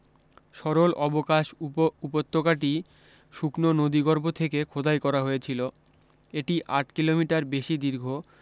সরল অবকাশ উপত্যকাটি শুকনো নদীগর্ভ থেকে খোদাই করা হয়েছিলো এটি আট কিলোমিটার বেশী দীর্ঘ